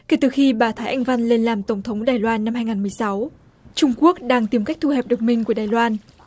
kể từ khi bà thái anh văn lên làm tổng thống đài loan năm hai ngàn mười sáu trung quốc đang tìm cách thu hẹp đồng minh của đài loan